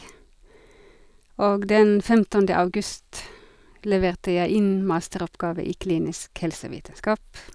Og den femtende august leverte jeg inn masteroppgave i klinisk helsevitenskap.